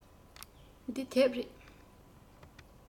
འདི དེབ རེད